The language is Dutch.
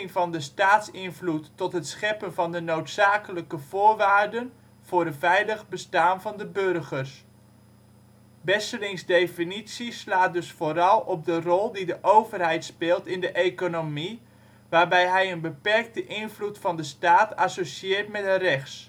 van de staatsinvloed tot het scheppen van de noodzakelijke voorwaarden voor een veilig bestaan van de burgers. " Besseling 's definitie slaat dus vooral op de rol die de overheid speelt in de economie, waarbij hij een beperkte invloed van de staat associeert met " rechts